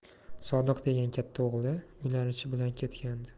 sodiq degan katta o'g'li uylanishi bilan ketgandi